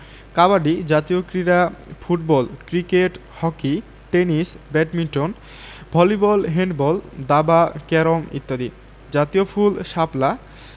কাবাডি জাতীয় ক্রীড়া football cricket hockey tennis badminton volleyball handball দাবা ক্যারম ইত্যাদি জাতীয় ফুলঃ শাপলা